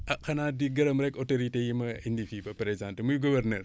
ah xanaa di gërëm rekk autorités yi ma indi fii ba présenté muy gouverneur